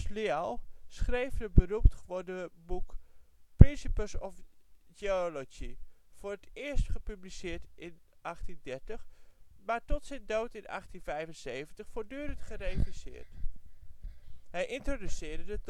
Lyell schreef het beroemd geworden book Principles of Geology, voor het eerst gepubliceerd in 1830, maar tot zijn dood in 1875 voortdurend gereviseerd. Hij introduceerde